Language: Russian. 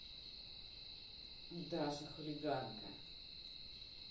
даша хулиганка